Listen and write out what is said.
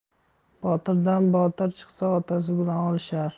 botirdan botir chiqsa otasi bilan olishar